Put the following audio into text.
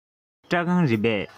ཕ གི སྐྲ ཁང རེད པས